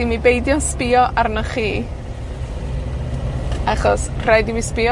i mi beidio sbïo arnoch chi, achos rhaid i mi sbïo